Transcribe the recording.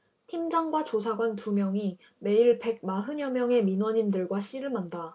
팀장과 조사관 두 명이 매일 백 마흔 여명의 민원인들과 씨름한다